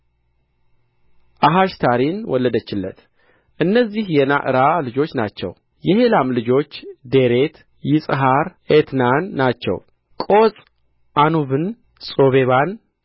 አሐሽታሪን ወለደችለት እነዚህ የነዕራ ልጆች ናቸው የሔላም ልጆች ዴሬት ይጽሐር ኤትናን ናቸው ቆጽ ዓኑብን ጾቤባን